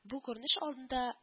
Бу күренеш алдында